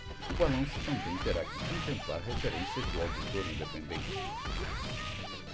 o balanço também terá que contemplar referências do auditor independente